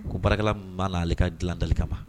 Ko baarakɛla ma na ale ka dilan dali kama